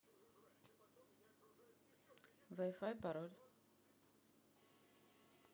вай фай пароль